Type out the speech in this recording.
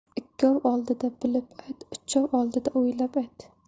ikkov oldida bilib ayt uchov oldida o'ylab ayt